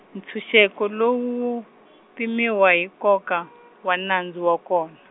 ntshunxeko lowu wu, pimiwa hi nkoka , wa nandzu wa kona.